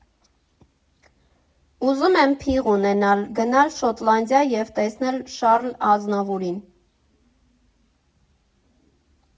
Ուզում եմ փիղ ունենալ, գնալ Շոտլանդիա և տեսնել Շառլ Ազնավուրին։